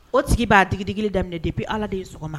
O tigi b'a digi diigili daminɛ depuis allah de ye sɔgɔma.